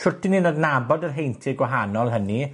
shwt 'dyn ni'n adnabod yr heintie gwahanol hynny,